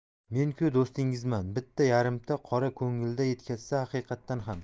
menku do'stingizman bitta yarimta qora ko'ngilda yetkazsa haqiqatan ham